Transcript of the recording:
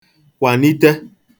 wunite